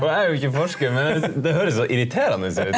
og jeg er jo ikke forsker men det høres så irriterende ut.